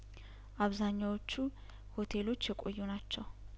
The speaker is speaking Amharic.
አብዛኛዎቹ ሆቴሎች የቆዩ ናቸው